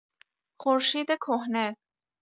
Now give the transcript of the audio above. خورشید کهنه